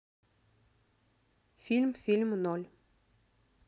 фильм фильм ноль